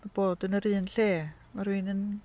Ma' bod yn yr un lle, ma' rhywun yn...